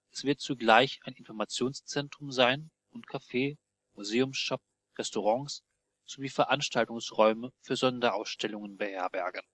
zugleich ein Informationszentrum sein und Café, Museumsshop, Restaurants sowie Veranstaltungsräume für Sonderausstellungen beherbergen